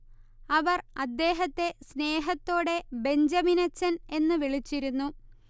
അവർ അദ്ദേഹത്തെ സ്നേഹത്തോടെ ബെഞ്ചമിനച്ചൻ എന്ന് വിളിച്ചിരുന്നു